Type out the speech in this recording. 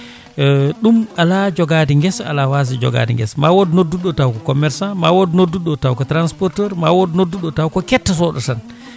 ɗum ala jogade guesa ala wasde joogade guesa ma wood nodduɗo ɗo taw ko commerçant ma wood nodduɗo ɗo taw ko transporteur ma wood nodduɗo ɗo taw ko kettotoɗo tan